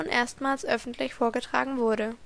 erstmals öffentlich vorgetragen wurde